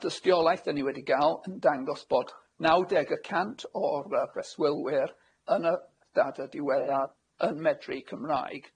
a'r dystiolaeth 'dan ni wedi ga'l yn dangos bod naw deg y cant o'r yy preswylwyr yn y ddata diweddar yn medru Cymraeg.